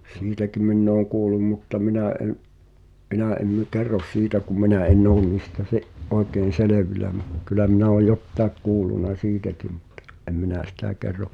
siitäkin minä olen kuullut mutta minä en minä en - kerro siitä kun minä en ole niistä - oikein selvillä - kyllä minä olen jotakin kuullut siitäkin mutta en minä sitä kerro